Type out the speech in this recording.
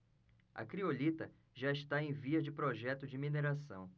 a criolita já está em vias de projeto de mineração